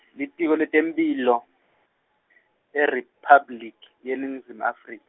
Litiko letemphilo IRiphabliki yeNingizimu Afrika.